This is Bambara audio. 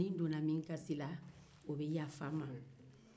ni n donna min gasi la o bɛ yafa n ma